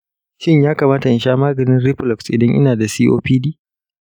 shin ya kamata in sha maganin reflux idan ina da copd?